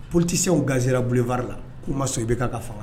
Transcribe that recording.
P tɛ sew ganeraelefa la k'u ma so i bɛ ka ka fanga